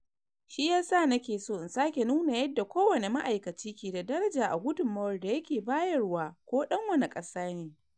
Shi ya sa nake so in sake nuna yadda kowane ma’aikaci ke da daraja a gudunmawar da yake bayarwa, ko ɗan wane ƙasa ne.